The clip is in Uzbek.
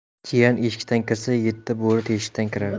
jiyan eshikdan kirsa yetti bo'ri teshikdan kirar